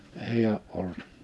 ei ole ollut